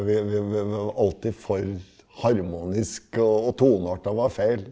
vi vi vi var alltid for harmonisk og og tonearten var feil.